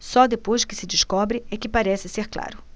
só depois que se descobre é que parece ser claro